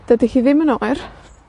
Dydy hi ddim yn oer.